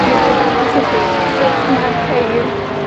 dwi isio dangos i chi sut mae'r ceir